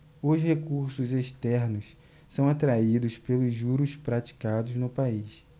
os recursos externos são atraídos pelos juros praticados no país